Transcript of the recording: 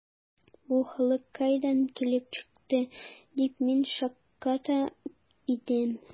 “бу халык кайдан килеп чыкты”, дип мин шакката идем.